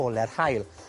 ole'r haul.